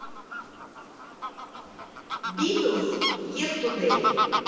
битлз естудей